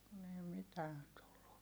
kun ei mitään tullut